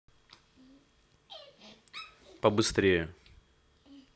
побыстрее